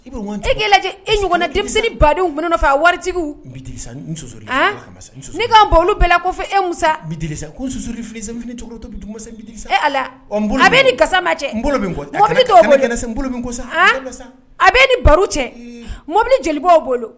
E ɲɔgɔn denmisɛnnin badenw waritigiw bɛɛ la kɔfɛ e cɛ a bɛ ni baro cɛ mɔbili jeli bolo